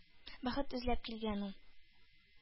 Бәхет эзләп килгән ул.